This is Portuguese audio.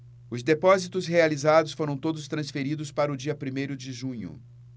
os depósitos realizados foram todos transferidos para o dia primeiro de junho